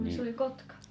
se oli kotka